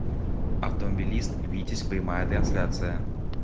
автомобилист витязь прямая трансляция